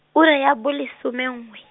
ura ya bolesome nngwe.